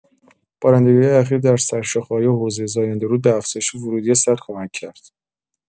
بارندگی‌های اخیر در سرشاخه‌های حوضه زاینده‌رود به افزایش ورودی سد کمک کرد.